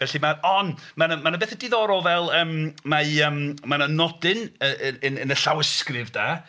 Felly ma'... Ond ma' 'na ma' 'na betha ddiddorol fel yym mae yym ma' 'na nodyn yy yy yn yn y llawysgrif de?